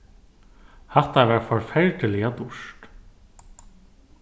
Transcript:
hatta var forferdiliga dýrt